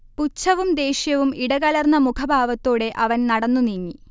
പുച്ഛവും ദേഷ്യവും ഇടകലർന്ന മുഖഭാവത്തോടെ അവൻ നടന്നുനീങ്ങി